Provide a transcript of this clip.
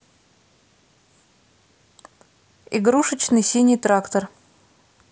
игрушечный синий трактор